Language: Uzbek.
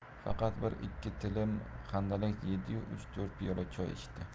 faqat bir ikki tilim handalak yediyu uch to'rt piyola choy ichdi